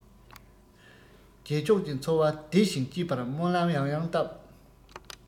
རྗེས ཕྱོགས ཀྱི འཚོ བ བདེ ཞིང སྐྱིད པར སྨོན ལམ ཡང ཡང བཏབ